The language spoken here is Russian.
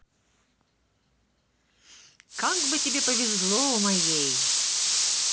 как бы тебе повезло у моей